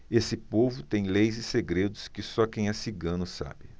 esse povo tem leis e segredos que só quem é cigano sabe